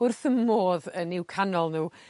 wrth 'ym modd yn i'w canol n'w.